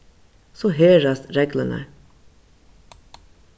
so herðast reglurnar